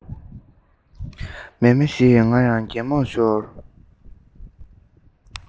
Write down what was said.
མཱེ མཱེ ཞེས ང ཡང གད མོ ཤོར